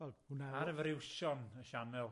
Wel, hwnna yw... Ar y friwsion y sianel.